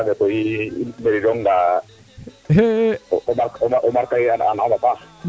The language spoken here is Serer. andaam mee koy i i merirong ndaa xee